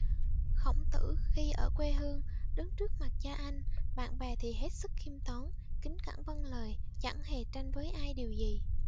khổng tử khi ở quê hương đứng trước mặt cha anh bạn bè thì hết sức khiêm tốn kính cẩn vâng lời chẳng hề tranh với ai điều gì